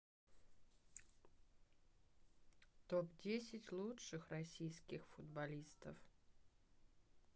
топ десять лучших российских футболистов